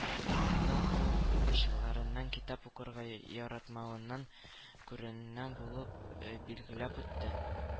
Моны ул укучыларның китап укырга яратмавыннан күрүеннән булуын билгеләп үтте.